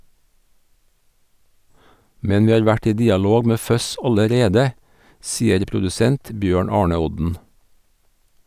Men vi har vært i dialog med Fuzz allerede, sier produsent Bjørn Arne Odden.